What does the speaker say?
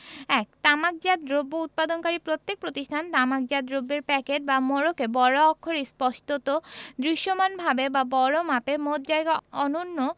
১ তামাকজাত দ্রব্য উৎপাদনকারী প্রত্যক প্রতিষ্ঠান তামাকজাত দ্রব্যের প্যাকেট বা মোড়কে বড় অক্ষরে স্পষ্টত দৃশ্যমানভাবে ও বড়মাপে মোট জায়গার অন্যূন